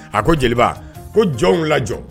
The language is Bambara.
A ko jeliba ko jɔn la jɔn